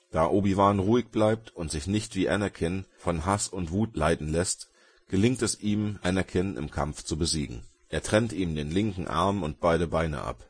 Da Obi-Wan ruhig bleibt und sich nicht, wie Anakin, von Hass und Wut leiten lässt, gelingt es ihm, Anakin im Kampf zu besiegen. Er trennt ihm den linken Arm und beide Beine ab